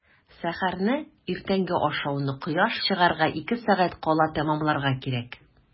Сәхәрне – иртәнге ашауны кояш чыгарга ике сәгать кала тәмамларга кирәк.